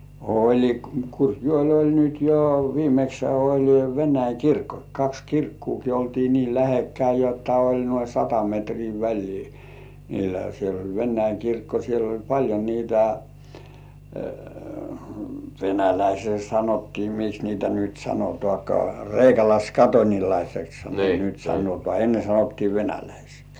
oli Kurkijoella oli nyt jo viimeksihän oli Venäjän kirkko kaksi kirkkoakin oltiin niin lähekkäin jotta oli noin sata metriä väliä niillä siellä oli Venäjän kirkko siellä oli paljon niitä venäläisiä sanottiin miksi niitä nyt sanotaankaan kreikkalaiskatolilaiseksihan niitä sanotaan ennen sanottiin venäläisiksi